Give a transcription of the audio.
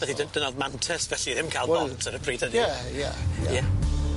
Felly dy- dyna'r mantes felly ddim ca'l bont ar y pryd hynny? Ie ie ie. Ie.